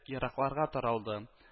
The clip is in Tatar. Еракларга таралды